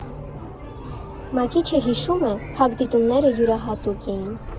Մակիչը հիշում է՝ փակ դիտումները յուրահատուկ էին։